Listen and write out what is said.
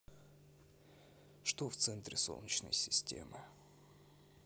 что в центре солнечной системы